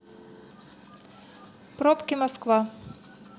пробки москва